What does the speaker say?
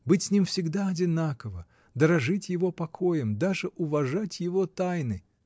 быть с ним всегда одинаково, дорожить его покоем, даже уважать его тайны.